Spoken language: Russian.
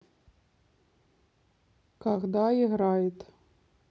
когда играет